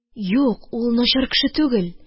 Юк, ул начар кеше түгел